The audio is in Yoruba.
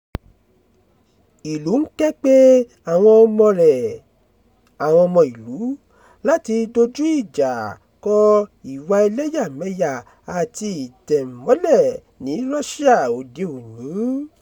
Ìlú ń ké pe àwọn ọmọ rẹ̀ (àwọn ọmọ ìlú) láti dojú ìjà kọ ìwà elẹ́yàmẹyà àti ìtẹ̀mọ́lẹ̀ ní Russia òde-òní.